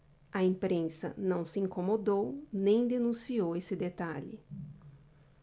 a imprensa não se incomodou nem denunciou esse detalhe